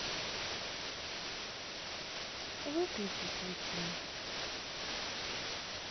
выключи свечу